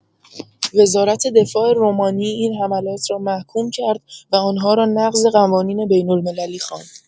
وزارت دفاع رومانی این حملات را محکوم کرد و آنها را نقض قوانین بین‌المللی خواند.